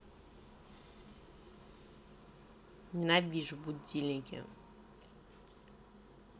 ненавижу будильники